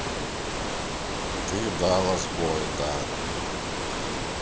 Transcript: ты дала сбой да